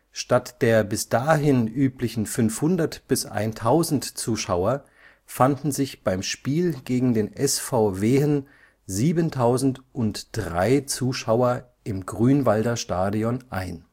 Statt der bis dahin üblichen 500 bis 1.000 Zuschauer fanden sich beim Spiel gegen den SV Wehen 7.003 Zuschauer im Grünwalder Stadion ein